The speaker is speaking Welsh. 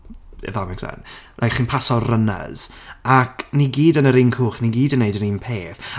If that makes sen-? Like chi'n pasio runners.* Ac ni gyd yn yr un cwch. Ni gyd yn wneud yr un peth.